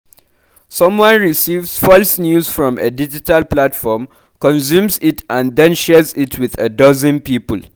Someone receives false news from a digital platform, consumes it and then shares it with a dozen people.